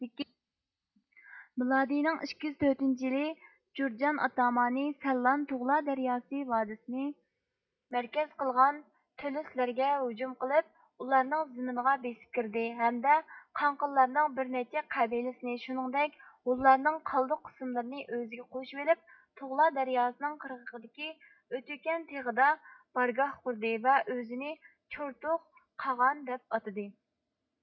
مىلادىيىنىڭ ئىككى يۈز تۆتىنچى يىلى جۇرجان ئاتامانى سەللان تۇغلا دەرياسى ۋادىسىنى مەركەز قىلغان تۆلۆسلەرگە ھۇجۇم قىلىپ ئۇلارنىڭ زېمىنىغا بېسىپ كىردى ھەمدە قاڭقىللارنىڭ بىرنەچچە قەبىلىسىنى شۇنىڭدەك ھۇنلارنىڭ قالدۇق قىسىملىرىنى ئۆزىگە قوشۇۋېلىپ تۇغلا دەرياسىنىڭ قىرغىقىدىكى ئۆتۈكەن تېغىدا بارگاھ قۇردى ۋە ئۆزىنى چۇرتۇغ قاغان دەپ ئاتىدى